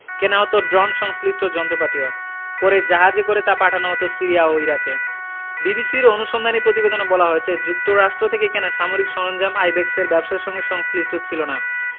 কেনা হতো ড্রোন সংশ্লিষ্ট যন্ত্রপাতিও পরে জাহাজে করে তা পাঠানো হতো সিরিয়া ও ইরাকে বিবিসির অনুসন্ধানী প্রতিবেদনে বলা হয়েছে যুক্তরাষ্ট থেকে কেনা সামরিক সরঞ্জাম আইব্যাকসের ব্যবসার সঙ্গে সংশ্লিষ্ট ছিল না